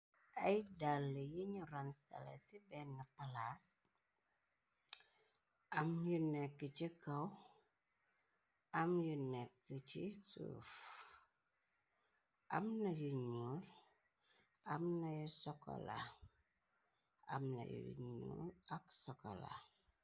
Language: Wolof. Ay dàll yi ñu ransalé ci benn palaas, am yu nekk ci kaw, am yu nekk ci suuf, amna yu ñuul, am na yu ñuul ak sokola.